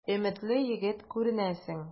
Өметле егет күренәсең.